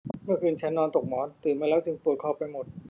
เมื่อคืนฉันนอนตกหมอนตื่นมาแล้วจึงปวดคอไปหมด